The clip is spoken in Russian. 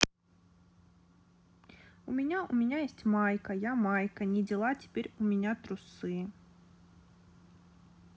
у меня у меня есть майка я майка не дела теперь у меня трусы